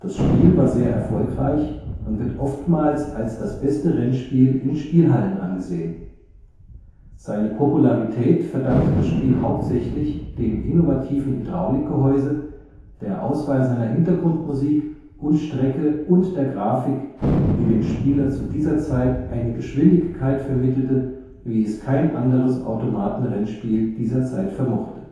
Spiel war sehr erfolgreich und wird oftmals als das beste Rennspiel in Spielhallen angesehen. Seine Popularität verdankt das Spiel hauptsächlich dem innovativen Hydraulikgehäuse, der Auswahl seiner Hintergrundmusik und Strecke und der Grafik, die dem Spieler zu dieser Zeit eine Geschwindigkeit vermittelte, wie es kein anderes Automaten-Rennspiel dieser Zeit vermochte